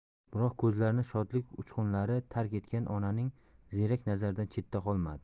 biroq ko'zlarini shodlik uchqunlari tark etgani onaning ziyrak nazaridan chetda qolmadi